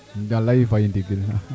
walay Faye ndigil